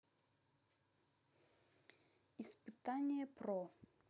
испытание про